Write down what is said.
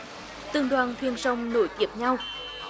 từng đoàn thuyền sông nối tiếp nhau